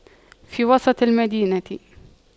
في وسط المدينة